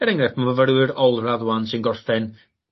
er enghrefft ma' myfyrwyr olradd rŵan sy'n gorffen